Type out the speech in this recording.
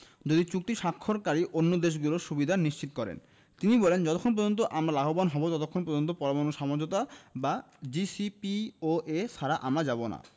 যদি চুক্তি স্বাক্ষরকারী অন্য দেশগুলো সুবিধা নিশ্চিত করে তিনি বলেন যতক্ষণ পর্যন্ত আমরা লাভবান হব ততক্ষণ পর্যন্ত পরমাণু সমঝোতা বা জেসিপিওএ ছেড়ে আমরা যাব না